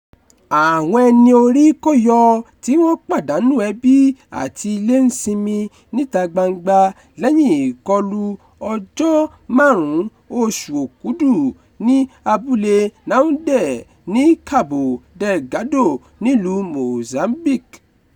Àwọn ẹni-orí-kó-yọ tí wọ́n pàdánù ẹbí àti ilé ń sinmi níta gbangba lẹ́yìn ìkọlù ọjọ́ 5 oṣù Òkúdù ní abúlé Naunde ní Cabo Delgado nílùú Mozambique.